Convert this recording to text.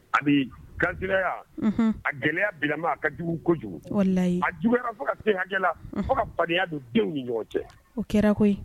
Ani gaya a gɛlɛyaya bilama a ka jugu kojuguyi a jugu fo ka denkɛjɛ fo ka balimaya don denw ɲɔgɔn cɛ o kɛra koyi